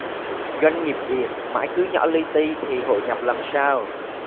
doanh nghiệp việt mãi cứ nhỏ li ti thì hội nhập làm sao